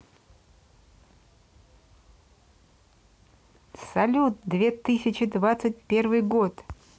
салют две тысячи двадцать первый год